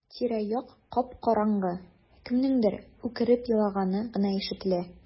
Тирә-як кап-караңгы, кемнеңдер үкереп елаганы гына ишетелә.